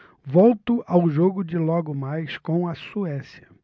volto ao jogo de logo mais com a suécia